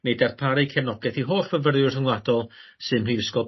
neu darparu cefnogaeth i holl fyfyriwr rhyngwladol sy ym mhrifysgol...